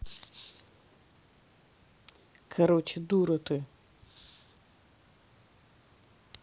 короче дура ты